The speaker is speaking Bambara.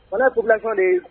Fana kubilafɛn de